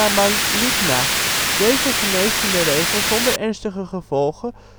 maligna. Deze geneest in de regel zonder ernstige gevolgen